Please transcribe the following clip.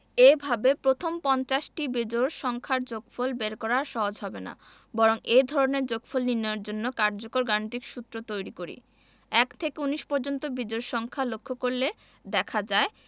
এভাবে প্রথম পঞ্চাশটি বিজোড় সংখ্যার যোগফল বের করা সহজ হবে না বরং এ ধরনের যোগফল নির্ণয়ের জন্য কার্যকর গাণিতিক সূত্র তৈরি করি ১ থেকে ১৯ পর্যন্ত বিজোড় সংখ্যা লক্ষ করলে দেখা যায়